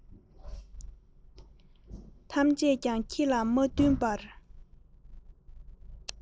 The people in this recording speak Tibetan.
ཐམས ཅད ཀྱང ཁྱེད ལ མ བསྟེན པར